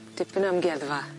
Dipyn o amgueddfa.